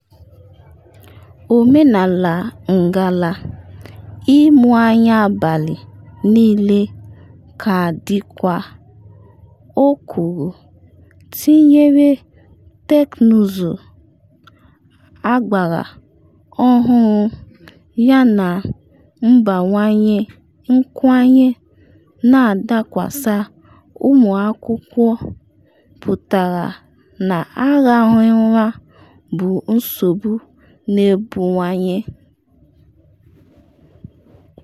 Omenala ngala ‘ịmụ anya abalị niile’ ka dịkwa, o kwuru, tinyere teknụzụ agbara ọhụrụ yana mbawanye nkwanye na-adakwasa ụmụ akwụkwọ, pụtara na arahụghị ụra bụ nsogbu n’ebuwaye.